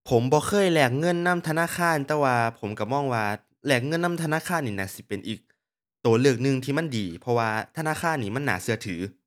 ผมบ่เคยแลกเงินนำธนาคาร แต่ว่าผมก็มองว่าแลกเงินนำธนาคารนี่น่าสิเป็นอีกก็เลือกหนึ่งที่มันดี เพราะว่าธนาคารนี่มันน่าก็ถือ